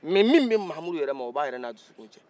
mɛ min bɛ mahamudu ma o b'a yɛrɛ n'a dusukun cɛ